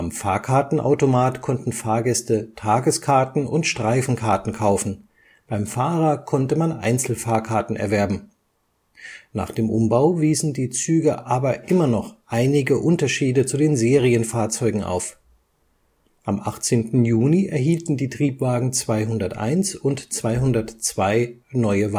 Fahrkartenautomat konnten Fahrgäste Tageskarten und Streifenkarten kaufen, beim Fahrer konnte man Einzelfahrkarten erwerben. Nach dem Umbau wiesen die Züge aber immer noch einige Unterschiede zu den Serienfahrzeugen auf. Am 18. Juni erhielten die Triebwagen 201 und 202 neue